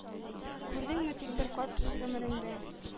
Күрдеңме тик бер кат үз гомреңдә